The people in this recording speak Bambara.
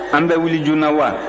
an bɛ wuli joona wa